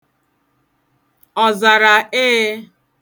Ọ zara ee?